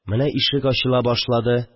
Менә ишек ачыла башлады